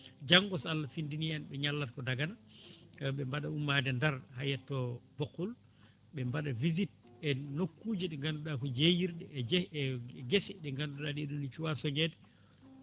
janggo so Allah findini en ɓe ñalata ko dagana ɓe mbaɗa ummade Ndar ha yetto Bokhul ɓe mbaɗa visite e nokkuji ndi ganduɗa ko jeeyirɗe e jeeguese ɗe ganduɗa ɗe ɗo ni cuwa coñede